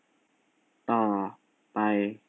ต่อไป